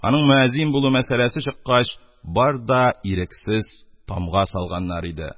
Аның мөәзин булу мәсьәләсе чыккач, бар да, ирексез, тамга салганнар иде.